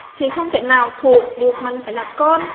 thì không thể nào thuộc được mình phải là con